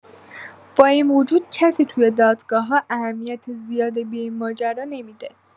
با این وجود کسی توی دادگاه‌ها اهمیت زیادی به این ماجرا نمی‌ده